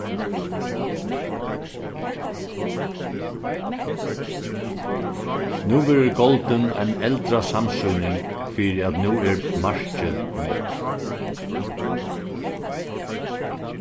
nú verður goldin ein eldrasamsýning fyri at nú er markið nátt